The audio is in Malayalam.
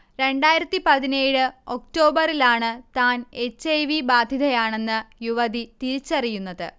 രണ്ടായിരത്തി പതിനേഴ് ഒക്ടോബറിലാണ് താൻ എച്ച്. ഐ. വി ബാധിതയാണെന്ന് യുവതി തിരിച്ചറിയുന്നത്